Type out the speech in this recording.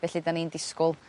Felly 'dan ni'n disgwl